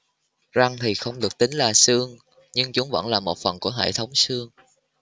răng thì không được tính là xương nhưng chúng vẫn là một phần của hệ thống xương